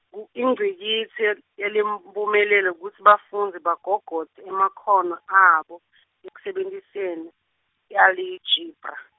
ku- ingcikitsi yal- yalemiphumela kutsi bafundzi bagogodze emakhono abo, ekusebentiseni, i aljebra.